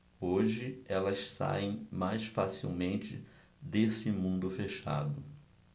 hoje elas saem mais facilmente desse mundo fechado